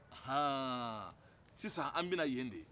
anhaan sisan a bɛna ye de